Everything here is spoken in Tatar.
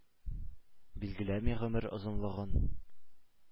Билгеләми гомер озынлыгын